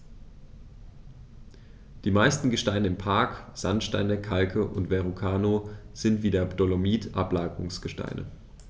Die meisten Gesteine im Park – Sandsteine, Kalke und Verrucano – sind wie der Dolomit Ablagerungsgesteine.